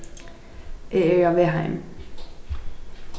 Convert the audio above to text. eg eri á veg heim